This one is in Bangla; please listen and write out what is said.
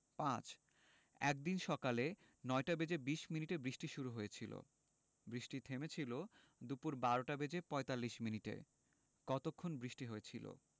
৫ একদিন সকালে ৯টা বেজে ২০ মিনিটে বৃষ্টি শুরু হয়েছিল বৃষ্টি থেমেছিল দুপুর ১২টা বেজে ৪৫ মিনিটে কতক্ষণ বৃষ্টি হয়েছিল